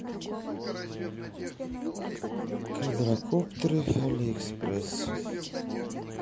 квадрокоптеры алиэкспресс